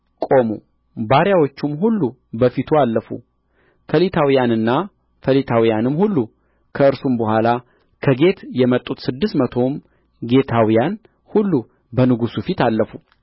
ቆሙ ባሪያዎቹም ሁሉ በፊቱ አለፉ ከሊታውያንና ፈሊታውያንም ሁሉ ከእርሱም በኋላ ከጌት የመጡት ስድስት መቶው ጌትያውን ሁሉ በንጉሡ ፊት አለፉ